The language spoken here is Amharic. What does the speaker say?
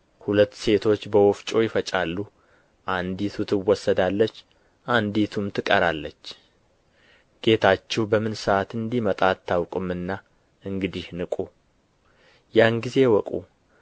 ሁለት ሴቶች በወፍጮ ይፈጫሉ አንዲቱ ትወሰዳለች አንዲቱም ትቀራለች ጌታችሁ በምን ሰዓት እንዲመጣ አታውቁምና እንግዲህ ንቁ ያን ግን እወቁ